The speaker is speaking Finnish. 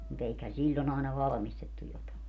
mutta eiköhän silloin aina valmistettu jotakin